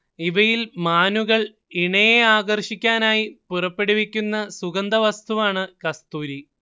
ഇവയിൽ മാനുകൾ ഇണയെ ആകർഷിക്കാനായി പുറപ്പെടുവിക്കുന്ന സുഗന്ധവസ്തുവാണ് കസ്തൂരി